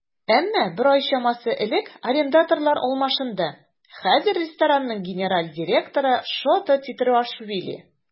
Әмма бер ай чамасы элек арендаторлар алмашынды, хәзер ресторанның генераль директоры Шота Тетруашвили.